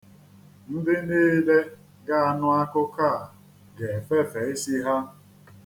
Ndị niile ga-anụ akụkọ a ga-efefe isi ha.